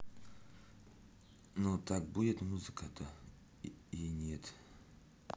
ну так будет музыка то и нет